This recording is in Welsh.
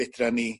fedra ni